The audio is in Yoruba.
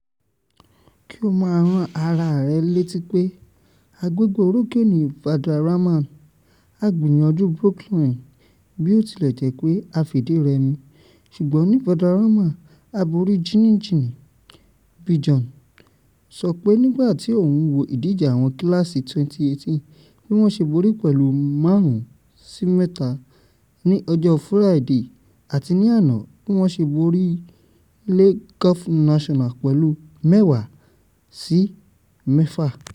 “Kí ó máa rán ara rẹ létí pé a gbégbá orókè ní Valderrama; a gbìyànjú Brookline bí ó tilẹ̀ jẹ́ pé a fìdí rẹmi, ṣùgbọ́n ní Valderrama a bórí gíníngínín. Bjorn, sọ pé nígbàtí òun wó ìdíje àwọn kíílàsì 2018 bí wọ́n ṣe borí pẹ̀lú 5-3 ní ọjọ́ Furaide àti ní àná bí wọ́n ṣe borí Le Golf National pẹ̀lú 10-6.